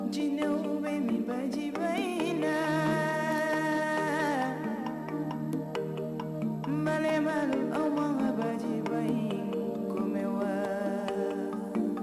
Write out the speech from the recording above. Jinɛ bɛ ni bajiba in la maba ni ma bajiba in kun bɛ wa